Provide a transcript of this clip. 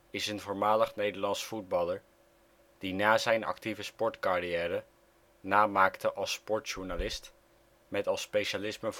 is een voormalig Nederlands voetballer, die na zijn actieve sportcarrière naam maakte als sportjournalist, met als specialisme